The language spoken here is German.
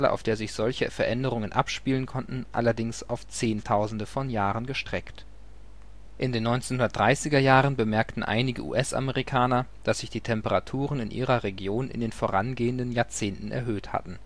auf der sich solche Veränderungen abspielen konnten, allerdings auf zehntausende von Jahren gestreckt. In den 1930er Jahren bemerkten einige US-Amerikaner, dass sich die Temperaturen in ihrer Region in den vorangehenden Jahrzehnten erhöht hatten